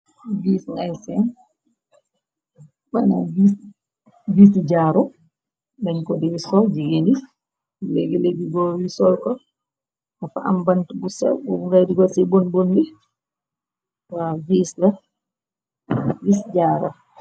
Bis nyfen mëna vist jaaro dañ ko diri sol jigee ni leegi legi góor yu solko mu fa am bant bu sew ngay rigo ci bon bonni wa visla vis jaara.